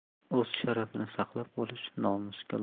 o'z sharafini saqlab qolish nomusga